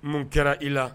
Mun kɛra i la